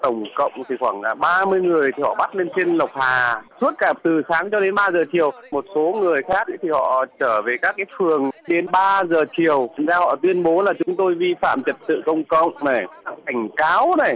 tổng cộng thì khoảng là ba mươi người thì họ bắt lên trên lộc hà suốt cả từ sáng cho đến ba giờ chiều một số người khác ý thì họ trở về các cái phường đến ba giờ chiều thì ra họ tuyên bố là chúng tôi vi phạm trật tự công cộng này cảnh cáo này